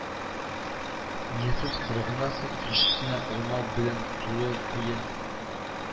Миятсез караганнан соң, икенчесенә алмау белән тулы куе